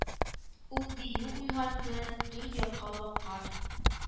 Ул Дию уйганды, дүрт якка бакар